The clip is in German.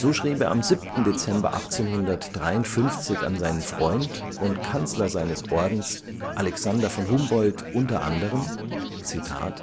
schrieb er am 7. Dezember 1853 an seinen Freund und Kanzler seines Ordens Alexander von Humboldt u. a.: „ Es